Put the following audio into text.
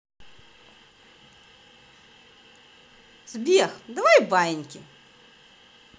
сбер давай баиньки